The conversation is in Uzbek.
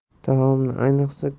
taomni ayniqsa